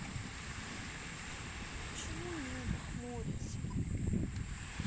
почему небо хмурится